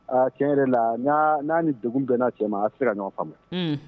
Kɛn yɛrɛ la n'a ni dugu bɛɛna cɛ a sera ɲɔgɔn faamuya